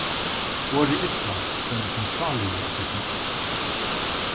orðið illa stendur sum hjáliður í setninginum